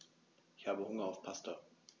Ich habe Hunger auf Pasta.